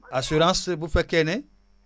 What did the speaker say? assurance bu fekkee ne